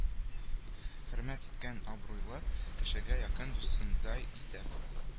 Хөрмәт иткән абруйлы кешегә якын дустыңдай итеп